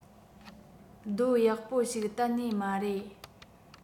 རྡོ ཡག པོ ཞིག གཏན ནས མ རེད